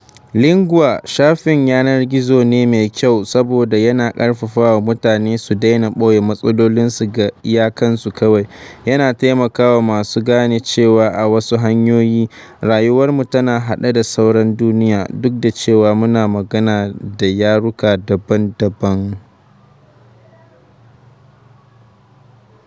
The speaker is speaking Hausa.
Lingua shafin yanar gizo ne mai kyau, saboda yana ƙarfafawa mutane su daina ɓoye matsalolinsu ga iya kansu kawai, yana taimaka masu su gane cewa a wasu hanyoyi, rayuwar mu tana haɗe da sauran duniya, duk da cewa muna magana da yaruka daban-daban